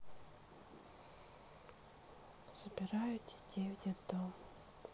забирают детей в детдом